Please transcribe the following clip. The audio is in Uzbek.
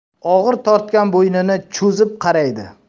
og'ir tortgan bo'ynini cho'zib qaraydi